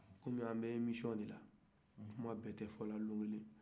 kɔmi an bɛ emisiyɔn de la kuma bɛɛ tɛ fɔla don kelen